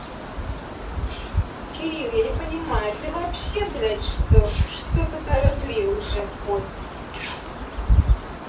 кирилл я не понимаю ты вообще блядь что что то разлил уже хоть